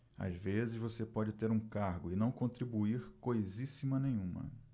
às vezes você pode ter um cargo e não contribuir coisíssima nenhuma